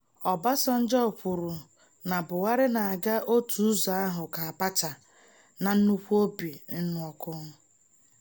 Obasanjo kwuru na Buhari na-aga "otu ụzọ ahụ" ka Abacha "na nnukwu obi nnụọkụ"